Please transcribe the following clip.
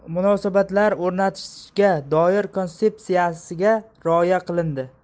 tenghuquqli munosabatlar o'rnatishga doir kontseptsiyasiga rioya qilindi